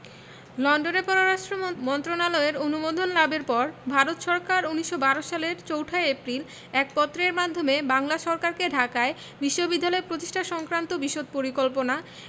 লন্ডনে পররাষ্ট্র মন্ত্রণালয়ের অনুমোদন লাভের পর ভারত সরকার ১৯১২ সালের ৪ এপ্রিল এক পত্রের মাধ্যমে বাংলা সরকারকে ঢাকায় বিশ্ববিদ্যালয় প্রতিষ্ঠা সংক্রান্ত বিশদ পরিকল্পনা